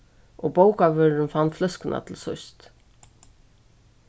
og bókavørðurin fann fløskuna til síðst